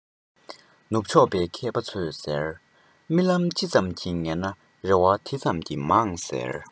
ནུབ ཕྱོགས པའི མཁས པ ཚོས ཟེར རྨི ལམ ཅི ཙམ གྱིས མང ན རེ བ དེ ཙམ གྱིས མང ཟེར